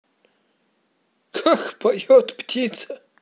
как поет птица